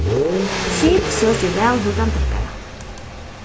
skip søkir væl hýrdan dekkara